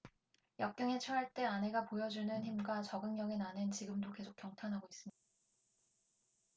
역경에 처할 때 아내가 보여 주는 힘과 적응력에 나는 지금도 계속 경탄하고 있습니다